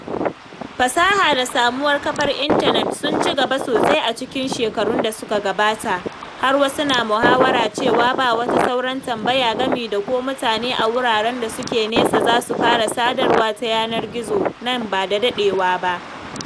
Fasaha da samuwar kafar intanet sun ci gaba sosai a cikin shekarun da suka gabata, har wasu na muhawara cewa ba wata sauran tambaya game da ko mutane a wuraren da suke nisa za su fara sadarwa ta yanar gizo nan ba da daɗewa ba.